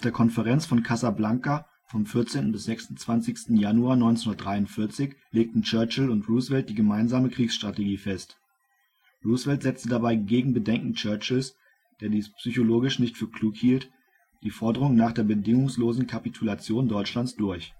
Konferenz von Casablanca vom 14. bis 26. Januar 1943 legten Churchill und Roosevelt die gemeinsame Kriegsstrategie fest. Roosevelt setzte dabei gegen Bedenken Churchills, der dies psychologisch nicht für klug hielt, die Forderung nach der bedingungslosen Kapitulation Deutschlands durch